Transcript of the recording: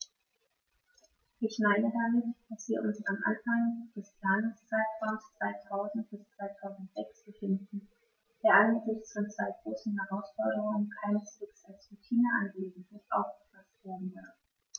Ich meine damit, dass wir uns am Anfang des Planungszeitraums 2000-2006 befinden, der angesichts von zwei großen Herausforderungen keineswegs als Routineangelegenheit aufgefaßt werden darf.